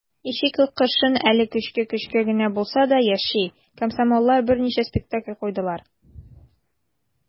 Ячейка кышын әле көчкә-көчкә генә булса да яши - комсомоллар берничә спектакль куйдылар.